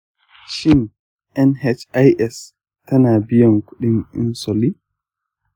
shin nhis tana biyan kuɗin insulin?